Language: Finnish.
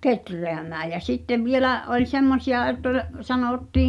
kehräämään ja sitten vielä oli semmoisia että oli sanottiin